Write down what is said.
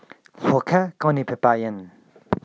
ལྷོ ཁ གང ནས ཕེབས པ ཡིན